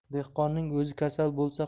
dehqonning o'zi kasal bo'lsa